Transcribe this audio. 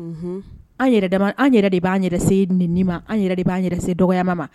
An yɛrɛ an yɛrɛ de b'an yɛrɛ nin ma an yɛrɛ de b'an yɛrɛ dɔgɔma ma